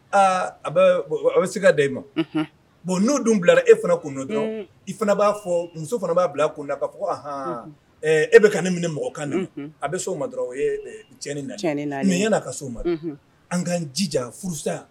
Aa a bɛ, a bɛ sika da i ma, unhun bon n'o dun bila efana kunna dɔrɔn ,unn, i fana b'a fɔ muso fana b'a bila a kunna ko anhan e bɛka ne minɛ mɔgɔ kan de ma, unhun, a bɛ s'o ma dɔrɔnw, o ye tiɲɛni nalen ye, o ye tiɲɛni nalen ye mais .yani a ka s'o ma an k'an jija furusa